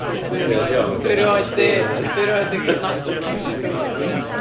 'cos dwi erioed... dwi erioed 'di... dwi erioed 'di cydnabod o so dwi'n cymyd bo' fi'n iawn